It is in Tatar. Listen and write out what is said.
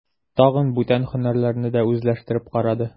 Тагын бүтән һөнәрләрне дә үзләштереп карады.